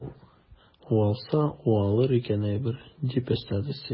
Уалса уалыр икән әйбер, - дип өстәде Сәрия.